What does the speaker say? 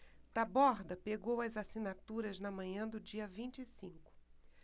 taborda pegou as assinaturas na manhã do dia vinte e cinco